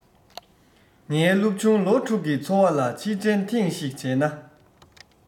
ངའི སློབ ཆུང ལོ དྲུག གི འཚོ བ ལ ཕྱིར དྲན ཐེངས ཤིག བྱས ན